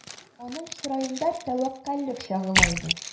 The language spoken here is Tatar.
Аның чыраенда тәвәккәллек чагыла иде.